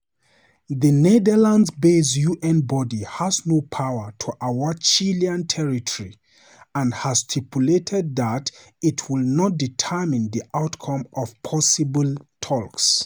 The Netherlands-based UN body has no power to award Chilean territory, and has stipulated that it will not determine the outcome of possible talks.